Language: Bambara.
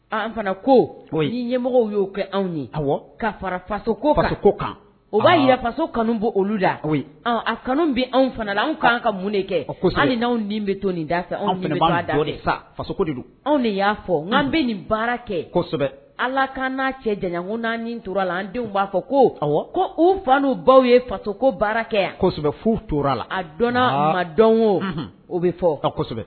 An fana ko bon ɲɛmɔgɔ y'o kɛ anw ni ka fara faso koko kan o b'a yɛrɛ faso kanu bɔ olu la ko a kanu bɛ anw fana an k kanan ka mun kɛ hali'anw bɛ to nin dasa anw da fasoko de anw de y'a fɔ an bɛ nin baara kɛ kosɛbɛ ala ka n'a cɛ jankun n'a min tora la an denw b'a fɔ ko aw ko u fa n' baw ye faso ko baara kɛsɛbɛ fo torala la a dɔn ma dɔn o o bɛ fɔ ka kosɛbɛ